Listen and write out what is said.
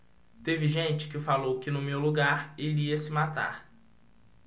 teve gente que falou que no meu lugar iria se matar